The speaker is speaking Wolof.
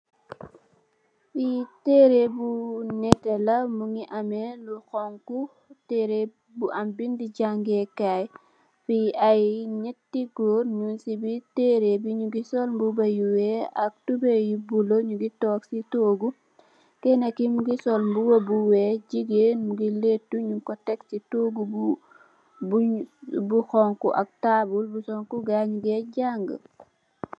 Fi teereh bu nètè la mungi ameh lu honku, tereeh bu am bindi jangeekaay. Fi ay nett gòor nung ci biir tereeh bi nungi sol mbuba yu weeh ak tubeye yu bulo nungi ci toogu. Kenna ki mungi sol mbuba bu weeh. Jigéen mungi lettu nung ko tekk ci toogu bu honku ak taabl bu honku ay nungè jàng.